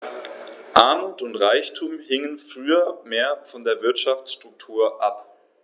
Armut und Reichtum hingen früher mehr von der Wirtschaftsstruktur ab.